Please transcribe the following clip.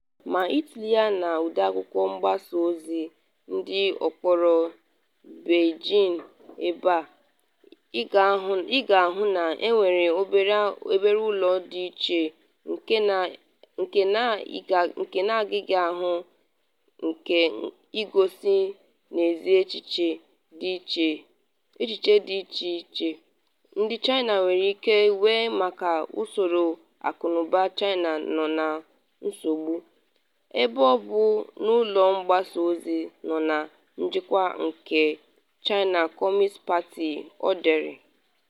“Ma ịtụlee ya n’ọdụ akwụkwọ mgbasa ozi dị n’okporo beijing ebe a, ịga ahụ na enwere obere olu ndịiche nke na ịghaghị ahụ ihe n’egosi n’ezie echiche di iche ndị China nwere ike nwee maka usoro akụnụba China nọ na nsogbu, ebe ọ bụ n’ụlọ mgbasa ozi nọ na njikwa nke China Communist Party,” ọ dere.